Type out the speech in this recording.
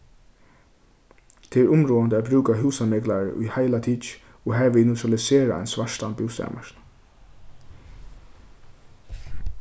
tað er umráðandi at brúka húsameklarar í heila tikið og harvið neutralisera ein svartan bústaðarmarknað